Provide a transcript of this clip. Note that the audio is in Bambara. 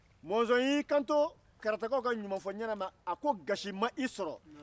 mɔnzɔn y'i kanto karatakaw ka ɲumanfɔ-n-ɲɛna ma ''a ko gasi ma i sɔrɔ''